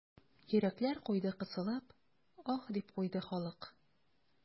Йөрәкләр куйды кысылып, аһ, дип куйды халык.